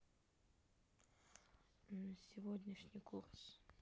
сегодняшний курс